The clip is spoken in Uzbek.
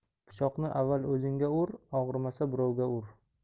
pichoqni avval o'zingga ur og'rimasa birovga ur